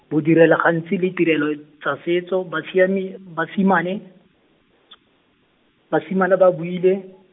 bo direla gantsi le tirelo tsa setso, basiami basimane , basimane ba buile.